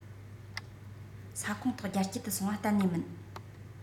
ས ཁོངས ཐོག རྒྱ སྐྱེད དུ སོང བ གཏན ནས མིན